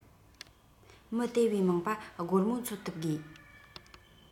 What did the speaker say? མི དེ བས མང བ སྒོར མོ འཚོལ ཐུབ དགོས